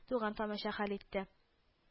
Туган-тамача хәл итте